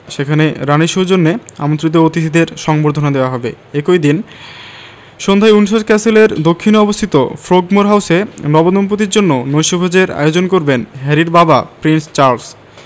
সেখানে রানির সৌজন্যে আমন্ত্রিত অতিথিদের সংবর্ধনা দেওয়া হবে একই দিন সন্ধ্যায় উইন্ডসর ক্যাসেলের দক্ষিণে অবস্থিত ফ্রোগমোর হাউসে নবদম্পতির জন্য নৈশভোজের আয়োজন করবেন হ্যারির বাবা প্রিন্স চার্লস